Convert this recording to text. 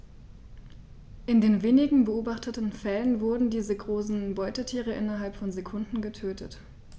In den wenigen beobachteten Fällen wurden diese großen Beutetiere innerhalb von Sekunden getötet.